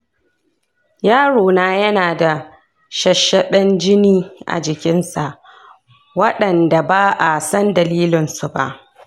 yaro na yana da shasshaɓen jini a jikinsa waɗanda ba a san dalilinsu ba.